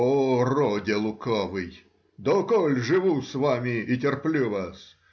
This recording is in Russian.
О, роде лукавый, доколе живу с вами и терплю вас?